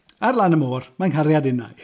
Ar lan y môr mae nghariad innau.